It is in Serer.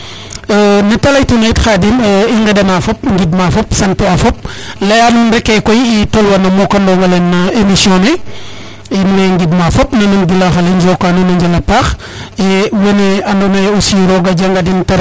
nete leytuna rek Khadim i ŋeɗa na fop ngid ma fop sante a fop leya nuun reke koy i tolwa no mukana le emission ne in way ngid ma fop na an giloxale Njoka nuna ndjala a paax e wene ando naye aussi roga janga den